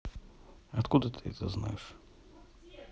откуда ты это знаешь